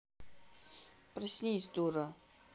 проснись дура